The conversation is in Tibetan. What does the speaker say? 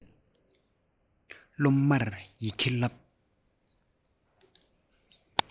སློབ མར ཡི གེ བསླབ